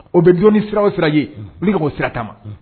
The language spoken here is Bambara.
O bɛ jɔ ni siraraw sira ye n k'o sirata